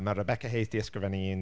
Mae Rebecca Hayes 'di ysgrifennu un...